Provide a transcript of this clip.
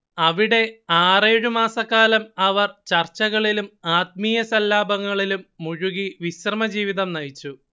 അവിടെ ആറേഴു മാസക്കാലം അവർ ചർച്ചകളിലും ആത്മീയസല്ലാപങ്ങളിലും മുഴുകി വിശ്രമജീവിതം നയിച്ചു